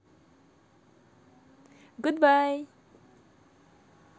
goodbye